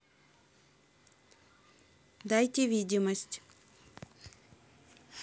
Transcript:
дайте видимость